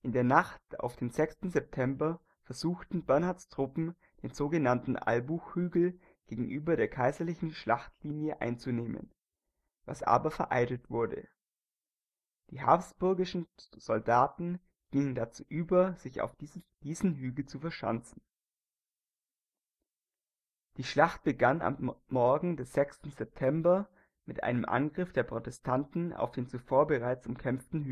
der Nacht auf den 6. September versuchten Bernhards Truppen, den so genannten Albuch-Hügel gegenüber der kaiserlichen Schlachtlinie einzunehmen, was aber vereitelt wurde. Die habsburgischen Soldaten gingen dazu über, sich auf diesem Hügel zu verschanzen. Die Schlacht begann am Morgen des 6. September mit einem Angriff der Protestanten auf den zuvor bereits umkämpften